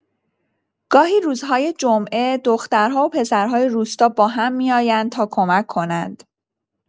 گاهی روزهای جمعه دخترها و پسرهای روستا با هم می‌آیند تا کمک کنند.